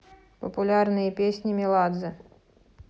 популярные песни меладзе